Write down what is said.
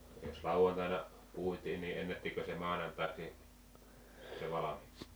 jos lauantaina puitiin niin ennättikö se maanantaiksi se valmiiksi